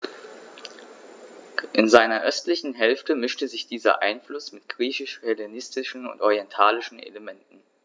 In seiner östlichen Hälfte mischte sich dieser Einfluss mit griechisch-hellenistischen und orientalischen Elementen.